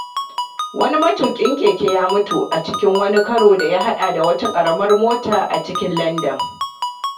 Wani matuƙin keke ya mutu a cikin wani karo da ya haɗa da wata ƙaramar mota a cikin Landan.